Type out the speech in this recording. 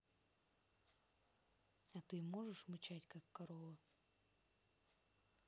а ты можешь мычать как корова